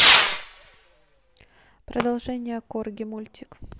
продолжение корги мультик